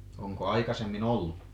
onko aikaisemmin ollut